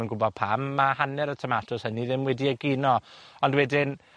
yn gwbo pam ma' hanner y tomatos hynny ddim wedi egino. Ond wedyn